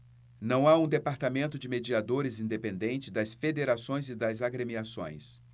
não há um departamento de mediadores independente das federações e das agremiações